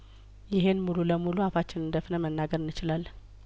ይህን ሙሉ ለሙሉ አፋችንን ደፍነን መናገር እንችላለን